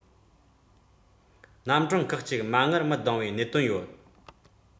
རྣམ གྲངས ཁག གཅིག མ དངུལ མི ལྡེང བའི གནད དོན ཡོད